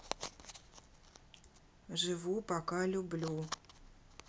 живу пока люблю